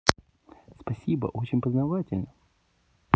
спасибо очень познавательно